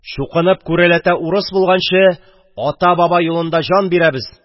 – чукынып күрәләтә урыс булганчы, ата-баба юлында җан бирәбез!..